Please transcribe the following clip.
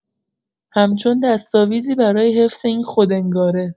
همچون دستاویزی برای حفظ این خودانگاره